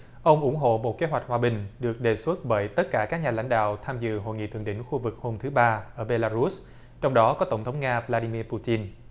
ông ủng hộ bộ kế hoạch hòa bình được đề xuất bởi tất cả các nhà lãnh đạo tham dự hội nghị thượng đỉnh khu vực hôm thứ ba ở bê la rút trong đó có tổng thống nga vờ la đi mi pu tin